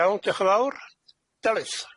Iawn diolch yn fawr. Delyth.